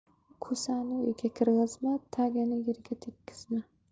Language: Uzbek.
ko'sani uyga kirgazma tagini yerga tegizma